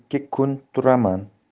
ikki kun turaman